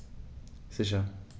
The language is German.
Sicher.